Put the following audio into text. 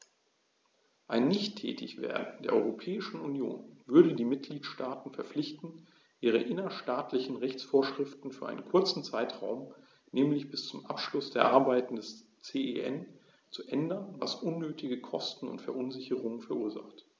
Ein Nichttätigwerden der Europäischen Union würde die Mitgliedstaten verpflichten, ihre innerstaatlichen Rechtsvorschriften für einen kurzen Zeitraum, nämlich bis zum Abschluss der Arbeiten des CEN, zu ändern, was unnötige Kosten und Verunsicherungen verursacht.